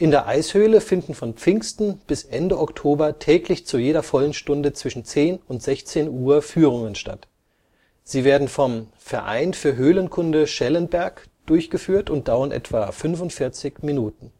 der Eishöhle finden von Pfingsten bis Ende Oktober täglich zu jeder vollen Stunde zwischen 10 und 16 Uhr Führungen statt. Sie werden vom Verein für Höhlenkunde Schellenberg durchgeführt und dauern etwa 45 Minuten